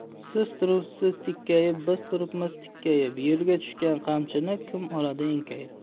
siz turibsiz tikkayib biz turibmiz tikkayib yerga tushgan qamchini kim oladi enkayib